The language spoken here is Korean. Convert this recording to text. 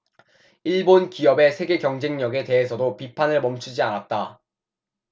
일본 기업의 세계 경쟁력에 대해서도 비판을 멈추지 않았다